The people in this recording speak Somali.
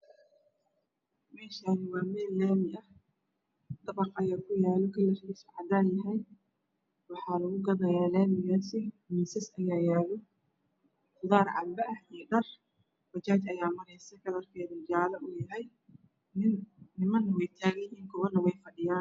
Meshani waa mel lami ah dabaq aya ku yalo kalarkisa cadan yahy waxa lagu gadaya lamigasi misas aya yalo khudaar canbe ah iyo dhar bajaj aya mareyso kalarkeeda jaale u yahy niman we tagan yihin kuwana wey fadhiyam